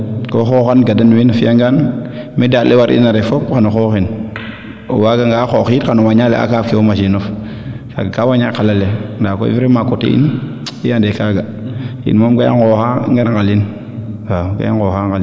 ko xooxan gadan win a fiya ngaan me daand le war ina ref fop xano xooxin o waaga nga a qoox it xano wañale a kaaf ke fo machine of kaaga kaa waña a qala le ndaa koy vraiment coté in i ande kaaga in moom ga i ngooxa ngar ngalin waaw kaa i ngooxa ngalin